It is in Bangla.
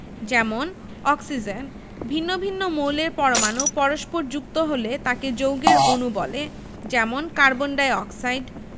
যেমন অক্সিজেন ভিন্ন ভিন্ন মৌলের পরমাণু পরস্পর যুক্ত হলে তাকে যৌগের অণু বলে যেমন কার্বন ডাই অক্সাইড